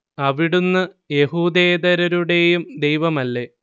അവിടുന്ന് യഹൂദേതരരുടേയും ദൈവമല്ലേ